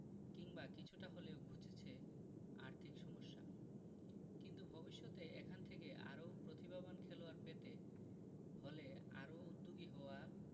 কিংবা কিছুটা হলেও ঘুচেছে আর্থিক সমস্যা কিন্তু ভবিষ্যতে এখান থেকে আরও প্রতিভাবান খেলোয়াড় পেতে হলে আরও উদ্যোগী হওয়া